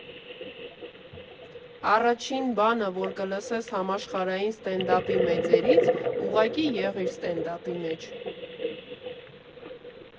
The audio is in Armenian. Առաջին բանը, որ կլսես համաշխարհային սթենդափի մեծերից՝ ուղղակի եղիր սթենդափի մեջ։